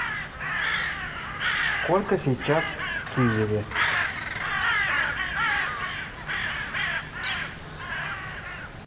сколько сейчас в киеве